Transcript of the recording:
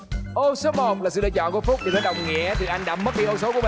ô số một là sự lựa chọn của phúc như thế đồng nghĩa thùy anh đã mất đi ô số của mình